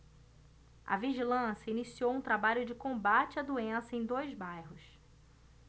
a vigilância iniciou um trabalho de combate à doença em dois bairros